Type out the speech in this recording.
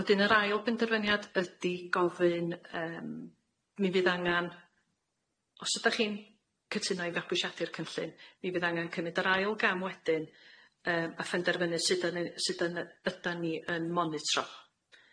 Odyn yr ail benderfyniad ydi gofyn yym mi fydd angan os ydach chi'n cytuno i fabwysiadu'r cynllun mi fydd angan cymyd yr ail gam wedyn yym a phenderfynu sud yny sud yn ydan ni yn monitro?